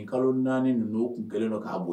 Nin kalo 4 ninnu u tun kɛlen don k'a bo